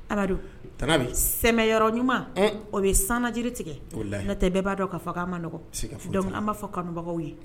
Amadu sɛmɛyɔrɔ ɲuman o bɛ san jiri tigɛ tɛ bɛɛ b'a dɔn ka fɔ an ma nɔgɔ an b'a fɔ kanubagaw ye